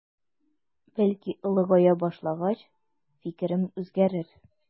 Бәлки олыгая башлагач фикерем үзгәрер.